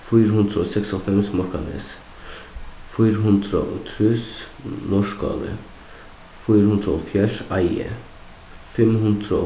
fýra hundrað og seksoghálvfems morskranes fýra hundrað og trýss norðskáli fýra hundrað og hálvfjerðs eiði fimm hundrað og